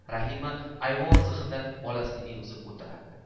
rahima ayvon zixida bolasini emizib o'tirardi